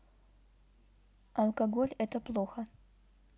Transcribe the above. алкоголь это плохо